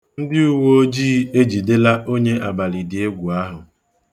Ndị uweojii ejidela onye abalidiegwu ahụ.